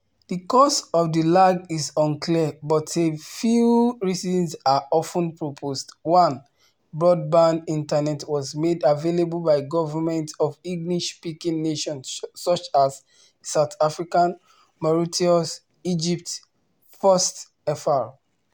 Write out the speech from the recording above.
The cause of the lag is unclear but a few reasons are often proposed: 1) broadband internet was made available by governments of English speaking nations such as (South Africa, Mauritius, Egypt) first (fr).